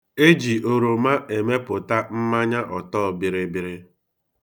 E ji oroma emepụta mmanya ọtọbịrịbịrị.